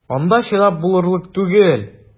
Анда чыдап булырлык түгел!